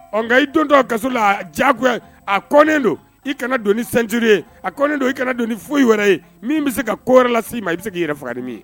Ɔ nka i don kaso la diya anen don i kana doni sanji a don i kana don foyi wɛrɛ ye min bɛ se ka kɔrɛ la si ma i bɛ se k'i yɛrɛ faga ye